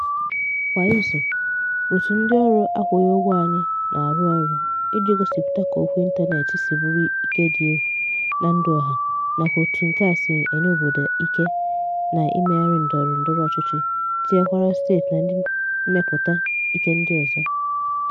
Kwa izu, òtù ndịọrụ akwụghị ụgwọ anyị na-arụ ọrụ iji gosịpụta ka okwu ịntaneetị si bụrụ ike dị egwu na ndụ ọha nakwa otu nke a si enye obodo ike na mmegharị ndọrọndọrọ ọchịchị tinyekwara steeti na ndị mmepụta ike ndị ọzọ.